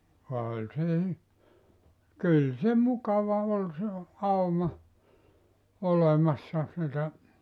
oli se - kyllä se mukava oli se auma olemassa sitä